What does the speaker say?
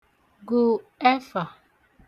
gụ ẹfà